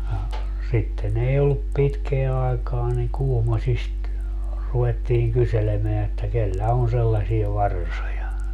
ja sitten ei ollut pitkää aikaa niin Kuhmoisista ruvettiin kyselemään että kenellä on sellaisia varsoja